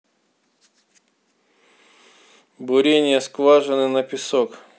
бурение скважины на песок